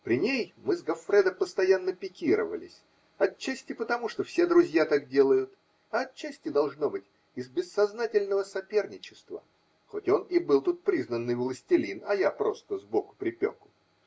При ней мы с Гоффредо постоянно пикировались, отчасти потому, что все друзья так делают, а отчасти, должно быть, из бессознательного соперничества, хоть он и был тут признанный властелин, а я просто сбоку припеку.